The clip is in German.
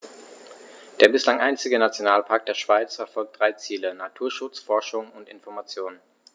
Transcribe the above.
Der bislang einzige Nationalpark der Schweiz verfolgt drei Ziele: Naturschutz, Forschung und Information.